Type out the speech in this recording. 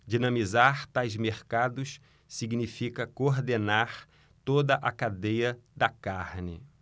dinamizar tais mercados significa coordenar toda a cadeia da carne